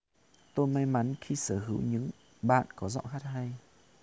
tôi may mắn khi sở hữu những bạn có giọng hát hay